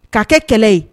Ka kɛ kɛlɛ ye